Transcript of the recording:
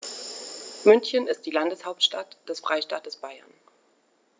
München ist die Landeshauptstadt des Freistaates Bayern.